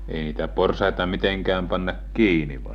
ei niitä porsaita mitenkään panna kiinni -